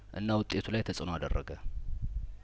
እና ውጤቱ ላይ ተጽእኖ አደረገ